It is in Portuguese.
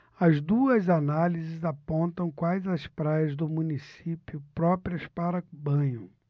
as duas análises apontam quais as praias do município próprias para banho